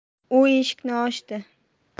u eshikni ochdi